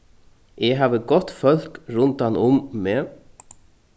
eg havi gott fólk rundanum meg